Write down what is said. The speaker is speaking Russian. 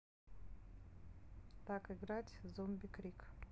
так играть zombie крик